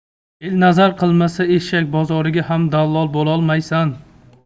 el nazar qilmasa eshak bozoriga ham dallol bo'lolmaysan